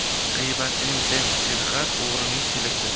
g'iybatchining dih kir g'ar o'g'rining tili bir